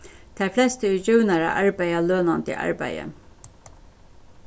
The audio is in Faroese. tær flestu eru givnar at arbeiða lønandi arbeiði